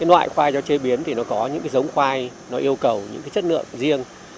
loại khoai cho chế biến thì nó có những giống khoai nó yêu cầu những cái chất lượng riêng